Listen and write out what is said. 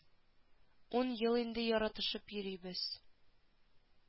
Ун ел инде яратышып йөрибез